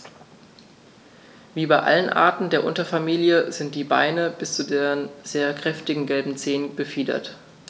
Wie bei allen Arten der Unterfamilie sind die Beine bis zu den sehr kräftigen gelben Zehen befiedert.